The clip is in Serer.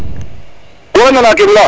waxey nana kem leya